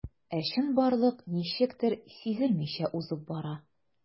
Ә чынбарлык ничектер сизелмичә узып бара.